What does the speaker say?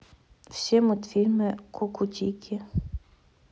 все мультфильмы кукутики